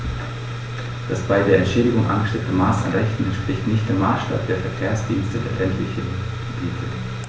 Das bei der Entschädigung angestrebte Maß an Rechten entspricht nicht dem Maßstab der Verkehrsdienste der ländlichen Gebiete.